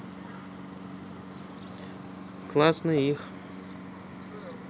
классный их